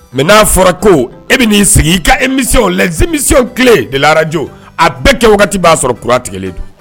Mais n'a fɔra ko e bɛ n'i sigi i ka émission, les émissions clés de la radio a bɛɛ kɛ waati b'a sɔrɔ courant tigɛlen don.